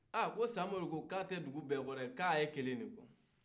aa ko samori ko ka tɛ dugu bɛɛ ko dɛ k'abɛɛ e kelen dɛ kɔ